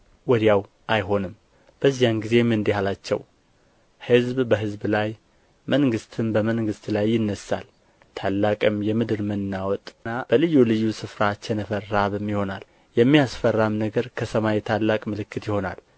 ወዲያው አይሆንም በዚያን ጊዜ እንዲህ አላቸው ሕዝብ በሕዝብ ላይ መንግሥትም በመንግሥት ላይ ይነሣል ታላቅም የምድር መናወጥና በልዩ ልዩ ስፍራ ቸነፈር ራብም ይሆናል የሚያስፈራም ነገር ከሰማይም ታላቅ ምልክት ይሆናል